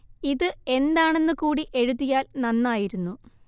ഇത് എന്താണെന്ന് കൂടി എഴുതിയാല്‍ നന്നായിരുന്നു